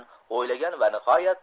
o'ylagan va nihoyat